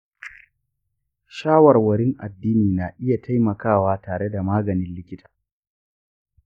shawarwarin addini na iya taimakawa tare da maganin likita.